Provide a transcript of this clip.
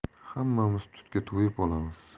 hammamiz tutga to'yib olamiz